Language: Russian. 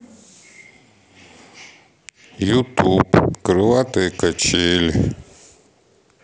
ютуб крылатые качели